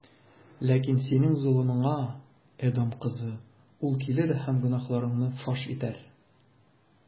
Ләкин синең золымыңа, Эдом кызы, ул килер һәм гөнаһларыңны фаш итәр.